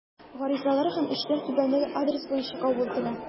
Гаризалар һәм эшләр түбәндәге адрес буенча кабул ителә.